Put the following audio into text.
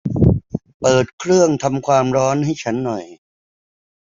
เปิดเครื่องทำความร้อนให้ฉันหน่อย